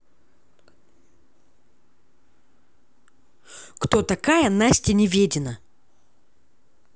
кто такая настя неведина